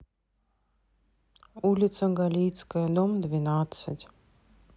улица галицкая дом двенадцать